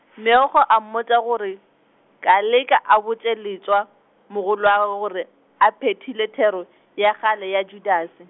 Meokgo a mmotša gore, Koleka a botše Letšwa, mogolwagwe gore, a phethile thero, ya kgale ya Judase.